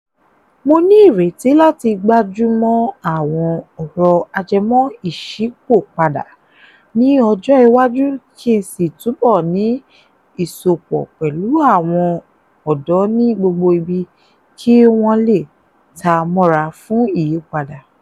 Mo ní ìrètí láti gbájú mọ́ àwọn ọ̀rọ̀ ajẹmọ́-ìṣípòpadà ní ọjọ́ iwájú kí n sì túbọ̀ ní ìsopọ̀ pẹ̀lú àwọn ọ̀dọ́ ní gbogbo ibi kí wọ́n lè ta mọ́ra fún ìyípadà.